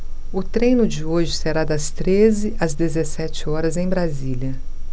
o treino de hoje será das treze às dezessete horas em brasília